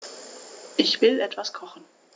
Ich will etwas kochen.